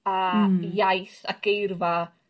A... Hmm. ...iaith ac geirfa